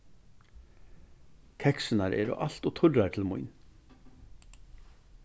keksirnar eru alt ov turrar til mín